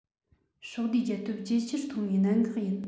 ཕྱོགས བསྡུས རྒྱལ སྟོབས ཇེ ཆེར གཏོང བའི གནད འགག ཡིན